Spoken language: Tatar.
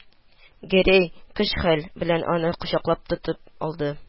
Гәрәй көч-хәл белән аны кочаклап тотып алды